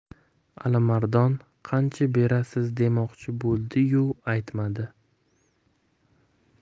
alimardon qancha berasiz demoqchi bo'ldi yu aytmadi